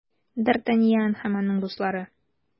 Д’Артаньян һәм аның дуслары.